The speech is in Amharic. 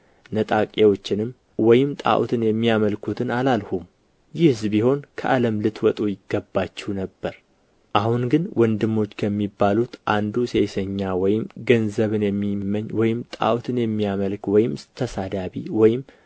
ነጣቂዎችንም ወይም ጣዖትን የሚያመልኩትን አላልሁም ይህስ ቢሆን ከዓለም ልትወጡ ይገባችሁ ነበር አሁን ግን ወንድሞች ከሚባሉት አንዱ ሴሰኛ ወይም ገንዘብን የሚመኝ ወይም ጣዖትን የሚያመልክ ወይም ተሳዳቢ ወይም